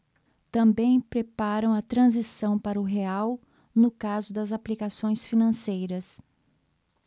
também preparam a transição para o real no caso das aplicações financeiras